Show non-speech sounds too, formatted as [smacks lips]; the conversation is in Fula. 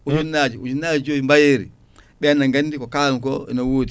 [smacks lips] ujunnaje ujunnaje joyyi mbayeri ɓenne gandi ko kalanmi ko ene wodi